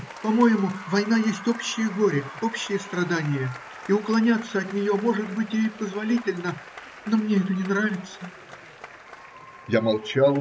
по-моему, война есть общее горе, общее страдание, и уклоняться от нее, может быть, и позволительно, но мне это не нравится. Я молчал.